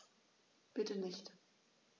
Bitte nicht.